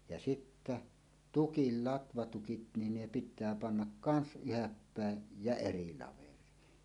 ja sitten tukit latvatukit niin ne pitää panna kanssa ylhäälle päin ja eri laveriin